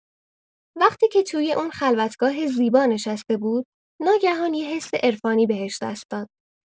وقتی که توی اون خلوتگاه زیبا نشسته بود، ناگهان یه حس عرفانی بهش دست داد.